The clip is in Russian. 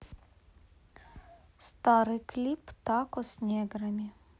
старый клип тако с неграми